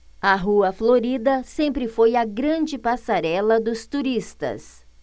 a rua florida sempre foi a grande passarela dos turistas